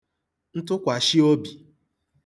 ntụkwàshịobī